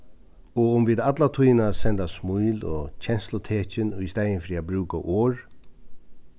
og um vit alla tíðina senda smíl og kenslutekin í staðin fyri at brúka orð